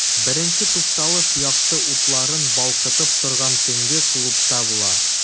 Беренче тукталыш якты утларын балкытып торган төнге клубта була.